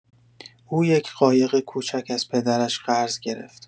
او یک قایق کوچک از پدرش قرض گرفت.